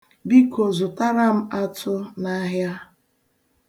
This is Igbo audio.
Biko, zụtara m atụ n'ahịa.